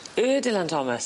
Y Dylan Thomas.